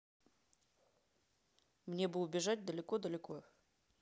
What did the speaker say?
мне бы убежать далеко далеко